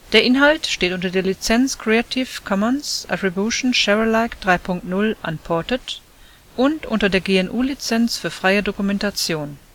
Inhalt steht unter der Lizenz Creative Commons Attribution Share Alike 3 Punkt 0 Unported und unter der GNU Lizenz für freie Dokumentation